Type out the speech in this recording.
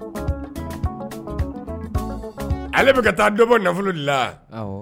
Ale bɛka ka taa dɔbɔ nafolo dilan